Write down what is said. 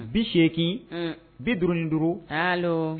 Bi seegin bi duuru ni duuruaa